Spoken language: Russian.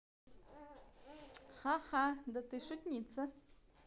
хаха да ты шутница